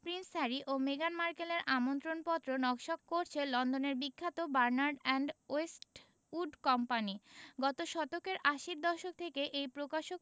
Prince Harry ও মেগান মার্কেলের আমন্ত্রণপত্র নকশা করছে লন্ডনের বিখ্যাত বার্নার্ড অ্যান্ড ওয়েস্টউড কোম্পানি গত শতকের আশির দশক থেকে এই প্রকাশক